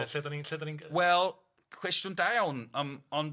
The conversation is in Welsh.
Lle lle 'dan ni'n lle 'dan ni'n g- wel cwestiwn da iawn yym ond